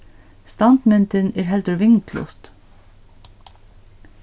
standmyndin er heldur vinglut